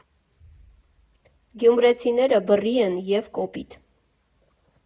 «Գյումրեցիները բռի են և կոպիտ»